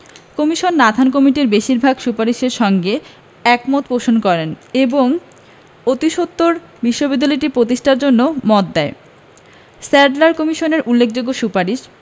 commission Nathan কমিটির বেশির ভাগ সুপারিশের সঙ্গে একমত পোষণ করে এবং অতিসত্বর বিশ্ববিদ্যালয়টি প্রতিষ্ঠার জন্য মত দেয় স্যাডলার কমিশনের উল্লেখযোগ্য সুপারিশ